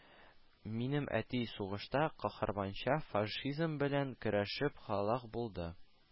-минем әти сугышта каһарманча фашизм белән көрәшеп һәлак булды